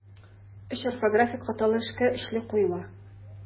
Өч орфографик хаталы эшкә өчле куела.